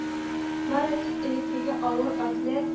Бары тик элеккегә авыр атлет